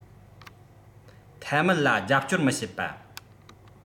ཐའེ སྨིའར ལ རྒྱབ སྐྱོར མི བྱེད པ